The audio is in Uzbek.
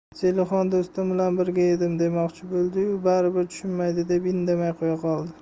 zelixon do'stim bilan birga edim demoqchi bo'ldi yu baribir tushunmaydi deb indamay qo'ya qoldi